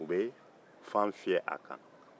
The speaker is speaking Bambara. u bɛ fan fiyɛ a kan